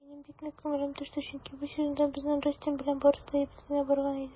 Әмма минем бик нык күңелем төште, чөнки бу сезонда безнең Джастин белән барысы да әйбәт кенә барган иде.